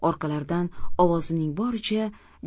orqalaridan ovozimning boricha